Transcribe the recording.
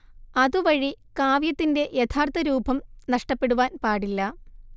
അതുവഴി കാവ്യത്തിന്റെ യഥാർഥ രൂപം നഷ്ടപ്പെടുവാൻ പാടില്ല